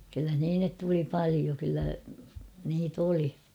kyllä sinne tuli paljon kyllä niitä oli